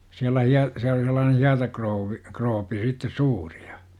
siellä - siellä oli sellainen hietakrouvi krooppi sitten suuri ja me olimme siellä sitten